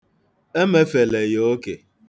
Emefela ya oke.